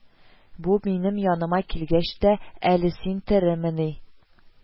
Бу минем яныма килгәч тә: "Әле син теремени